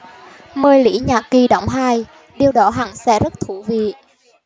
mời lý nhã kỳ đóng hài điều đó hẳn sẽ rất thú vị